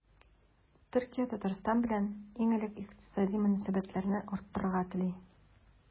Төркия Татарстан белән иң элек икътисади мөнәсәбәтләрне арттырырга тели.